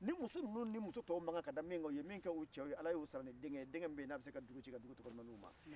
nin muso ninnu ni muso tɔw mankan ka da min kan o ye min k'u cɛw ye ala ye u sara ni denkɛ ye denkɛ min bɛ ye n'a be se ka dugu ci ka dugu tɔgɔ ɲuman d'u ma